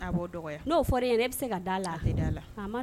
O bɛ se